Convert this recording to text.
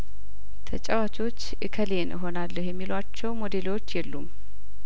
ተጫዋቾች እከሌን እሆናለሁ የሚሏቸው ሞዴሎች የሉም